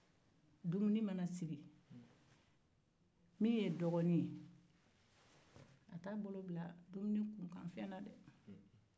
dumuni mana sigi dɔgɔnin t'a bolo se dumuni kunnafɛn ma dɛ